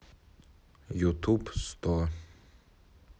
ютуб сто